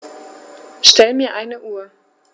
Stell mir eine Uhr.